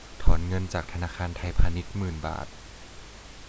ถอนเงินจากธนาคารไทยพาณิชย์หมื่นบาท